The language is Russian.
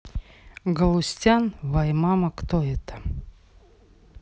галустян вай мама кто это